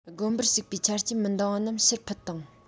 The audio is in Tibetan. དགོན པར ཞུགས པའི ཆ རྐྱེན མི འདང བ རྣམས ཕྱིར ཕུད དང